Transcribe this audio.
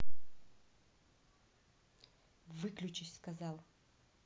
выключись сказал